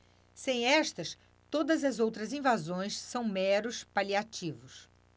sem estas todas as outras invasões são meros paliativos